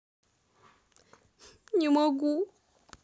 не смогу